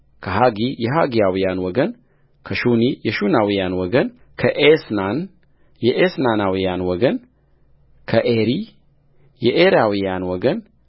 ከሐጊ የሐጋውያን ወገንከሹኒ የሹናውያን ወገን ከኤስናን የኤስናናውያን ወገን ከዔሪ የዔራውያን ወገን